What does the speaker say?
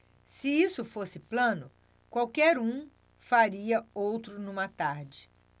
se isso fosse plano qualquer um faria outro numa tarde